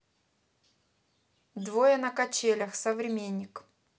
двое на качелях современник